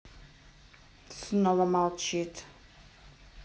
снова молчит